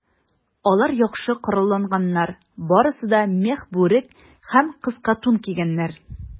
Алар яхшы коралланганнар, барысы да мех бүрек һәм кыска тун кигәннәр.